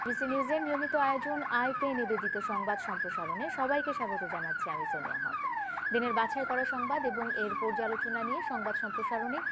DBC নিউজের নিয়মিত আয়োজন আই পে নিবেদিত সংবাদ সম্প্রসারণে সবাইকে স্বাগত জানাচ্ছি আমি সোনিয়া হক দিনের বাছাই করা সংবাদ এবং এর পর্যালোচনা নিয়ে সংবাদ সম্প্রসারণ এ